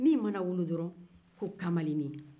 min mana wolo dɔrɔn ko kamalennin